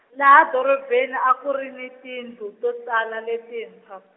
laha doropeni a ku ri ni tindlu, to tala letintshwa.